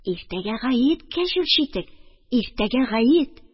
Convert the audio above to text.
Иртәгә гает, кәҗүл читек, иртәгә гает